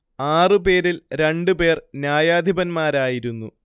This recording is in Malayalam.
ആറു പേരിൽ രണ്ടുപേർ ന്യായാധിപന്മാരായിരുന്നു